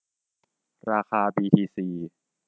ราคาบีทีซี